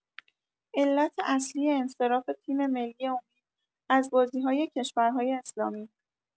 علت اصلی انصراف تیم‌ملی امید از بازی‌های کشورهای اسلامی